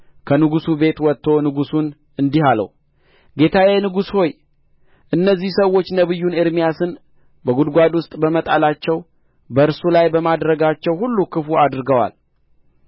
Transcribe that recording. ከንጉሡ ቤት ወጥቶ ንጉሡን እንዲህ አለው ጌታዬ ንጉሥ ሆይ እነዚህ ሰዎች ነቢዮን ኤርምያስን በጕድጓድ ውስጥ በመጣላቸው በእርሱ ላይ በማድረጋቸው ሁሉ ክፉ አድርገዋል